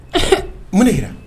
Mun jira